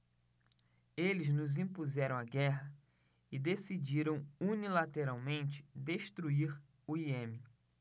eles nos impuseram a guerra e decidiram unilateralmente destruir o iêmen